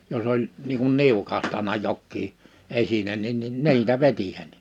jos oli niin kuin niukahtanut jokin esine niin niin niitä vetihän ne